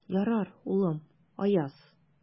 Ярар, улым, Аяз.